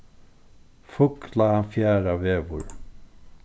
fuglafjarðarvegur